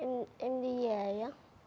em em đi về nhá